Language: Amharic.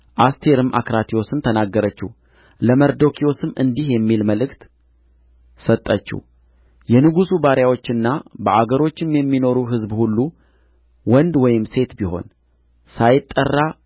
አስቴርም አክራትዮስን ተናገረችው ለመርዶክዮስም እንዲህ የሚል መልእክት ሰጠችው የንጉሡ ባሪያዎችና በአገሮችም የሚኖሩ ሕዝብ ሁሉ ወንድ ወይም ሴት ቢሆን ሳይጠራ